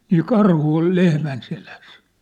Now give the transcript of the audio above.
niin karhu oli lehmän selässä